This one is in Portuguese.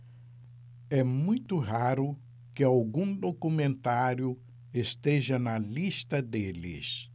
é muito raro que algum documentário esteja na lista deles